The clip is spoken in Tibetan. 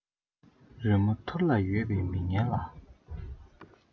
རི མོ ཐུར ལ ཡོད པའི མི ངན ལ